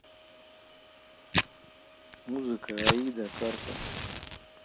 музыка аида карта